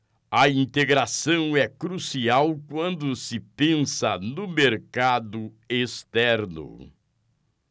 a integração é crucial quando se pensa no mercado externo